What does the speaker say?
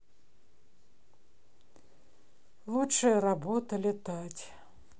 лучшая работа летать